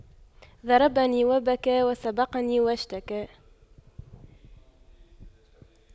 ضربني وبكى وسبقني واشتكى